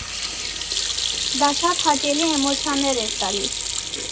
Դա շատ հաճելի էմոցիաներ էր տալիս»։